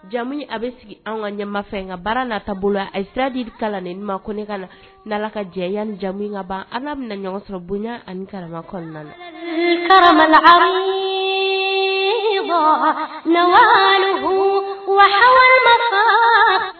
Jamu a bɛ sigi an ka ɲɛma fɛ ka baara nata bolo a ye siradi kalan ni ma ko ka na ni ala ka jɛ ni jamu ka ban ala ɲɔgɔn sɔrɔ bonya ani kara kɔnɔnabugu wa